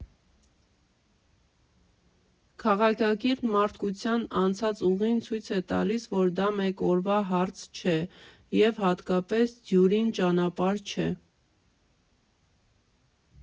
Քաղաքակիրթ մարդկության անցած ուղին ցույց է տալիս, որ դա մեկ օրվա հարց չէ, և, հատկապես, դյուրին ճանապարհ չէ։